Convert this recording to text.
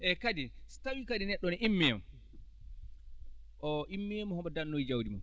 eeyi kadi so tawii kadi neɗɗo ne immiima o immiima omo darnoyi jawdi mum